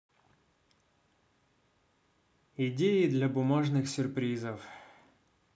идеи для бумажных сюрпризов